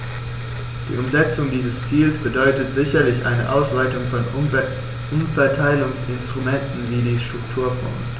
Die Umsetzung dieses Ziels bedeutet sicherlich eine Ausweitung von Umverteilungsinstrumenten wie die Strukturfonds.